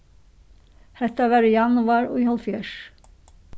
hetta var í januar í hálvfjerðs